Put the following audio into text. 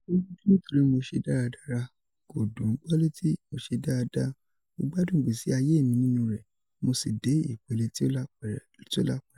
O ruju nitori mo ṣe daradara, Kò dùn ùn gbọ́ létí, Mo ṣe dáadáa, mó gbádùn ìgbésí ayé mi nínú rẹ̀, mo si de ipele ti o lapẹrẹ.